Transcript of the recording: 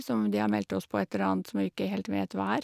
som De har meldt oss på et eller annet som vi ikke vet helt hva er.